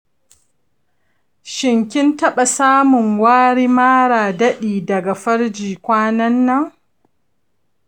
shin kin taɓa samun wari mara daɗi daga farji kwanan nan?